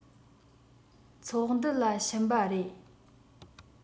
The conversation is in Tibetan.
ཚོགས འདུ ལ ཕྱིན པ རེད